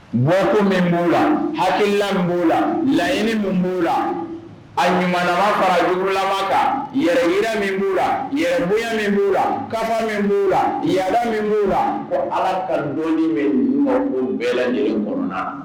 Gko min b'u la hala min b'u la laɲiniini min b'u la a ɲuman fara yugulama kan yɛrɛ yiri min b'u la yɛrɛ bonyaya min b'u la kafa min b'u la yaa min b'u la ko ala kadɔnɔni bɛ ko bɛ lajɛlen kɔnɔnana